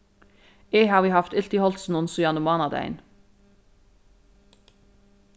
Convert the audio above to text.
eg havi havt ilt í hálsinum síðani mánadagin